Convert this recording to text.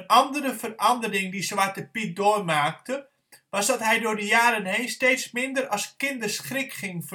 andere verandering die Zwarte Piet doormaakte, was dat hij door de jaren heen steeds minder als kinderschrik ging